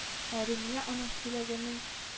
Ә румия аның сөйләгәнен